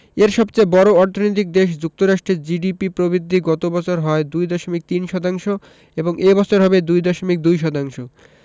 এর সবচেয়ে বড় অর্থনৈতিক দেশ যুক্তরাষ্ট্রের জিডিপি প্রবৃদ্ধি গত বছর হয় ২.৩ শতাংশ এবং এ বছর হবে ২.২ শতাংশ